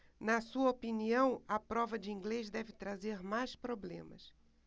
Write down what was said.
na sua opinião a prova de inglês deve trazer mais problemas